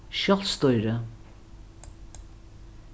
sjálvstýri